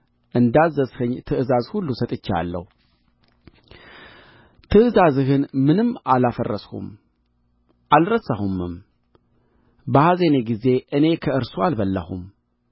እንዳዘዝኸኝ ትእዛዝ ሁሉ ሰጥቼአለሁ ትእዛዝህን ምንም አላፈረስሁም አልረሳሁምም በኀዘኔ ጊዜ እኔ ከእርሱ አልበላሁም